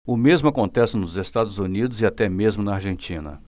o mesmo acontece nos estados unidos e até mesmo na argentina